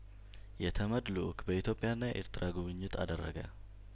የተመድ ልኡክ በኢትዮጵያ ና ኤርትራ ጉብኝት አደረገ